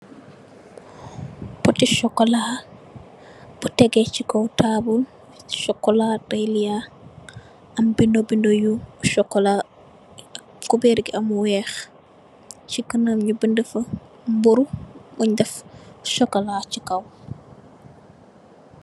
Poti sokolaa, bu tegee si kaw taabul, sokolaa deliyaa, am binda binda yu sokolaa, kubeer gi am weex, si kanam ñi binda fa mburu buñ daf sokolaa chi kaw.